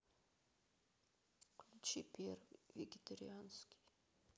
включи первый вегетарианский